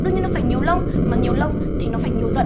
đương nhiên nó phải nhiều lông mà nhiều lông thì nó phải nhiều rận